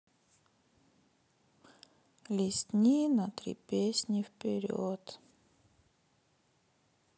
листни на три песни вперед